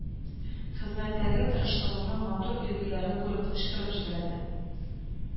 Хезмәттәге тырышлыгымның матур билгеләрен күреп, кычкырып җибәрде